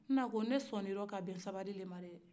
na ko ne sɔnna i la ka bɛ sabari de ma dɛ